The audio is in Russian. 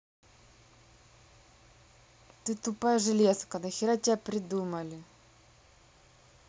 ты тупая железка нахера тебя придумали